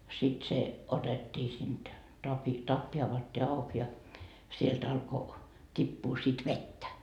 sitten se otettiin siitä tapin tappi avattiin auki ja sieltä alkoi tippua sitten vettä